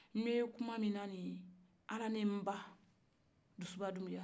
n bɛ kuma min na nin ye ala ni n ba dusuba dunbiya